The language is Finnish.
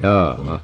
jaaha